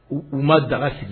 U, u ma daga sigi.